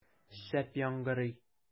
Шәп яңгырый!